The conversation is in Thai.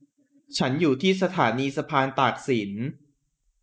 ฉันอยู่ที่สถานีสะพานตากสิน